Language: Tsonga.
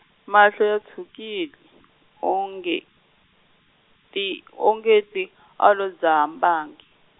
mahlo ya tshwukile o nge ti, o nge ti a lo dzaha mbangi.